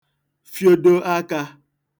fiodo akā